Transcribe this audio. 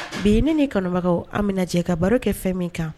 Bi ne ni n kanubagaw an bɛna jɛ ka baro kɛ fɛn min kan